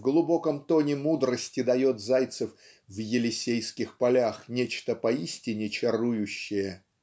в глубоком тоне мудрости дает Зайцев в "Елисейских полях" нечто поистине чарующее.